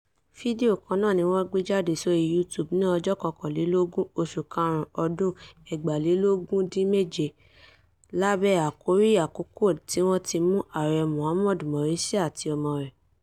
Fídíò kannáà ni wọ́n gbéjáde sórí YouTube ní 21 Oṣù Karùn-ún, Ọdún 2013 lábẹ́ àkòrí "Àkókò tí wọ́n mú Ààrẹ Mohamed Morsi àti ọmọ rẹ̀".